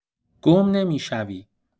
گم نمی‌شوی.